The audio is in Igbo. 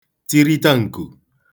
tirita ǹkù